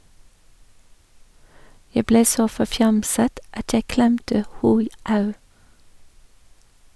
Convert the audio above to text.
- Jeg ble så forfjamset at jeg klemte ho au.